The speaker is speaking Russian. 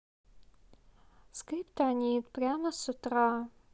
скриптонит прямо с утра